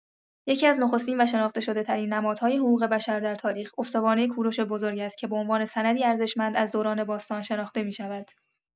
یکی‌از نخستین و شناخته‌شده‌ترین نمادهای حقوق‌بشر در تاریخ، استوانه کوروش بزرگ است که به عنوان سندی ارزشمند از دوران باستان شناخته می‌شود.